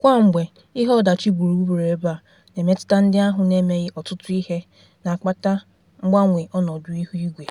Kwamgbe, ihe ọdachi gburugburu ebe a na-emetụta ndị ahụ na-emeghị ọtụtụ ihe na-akpata mgbanwe ọnọdụ ihu igwe.